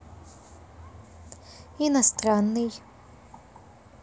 иностранный